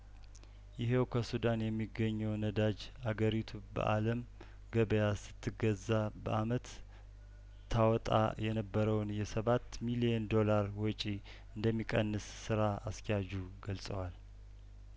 ይኸው ከሱዳን የሚገኘው ነዳጅ አገሪቱ በአለም ገበያስት ገዛ በአመት ታወጣ የነበረውን የሰባት ሚሊየን ዶላር ወጪ እንደሚቀንስ ስራ አስኪያጁ ገልጸዋል